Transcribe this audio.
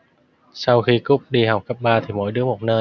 sau khi cúc đi học cấp ba thì mỗi đứa một nơi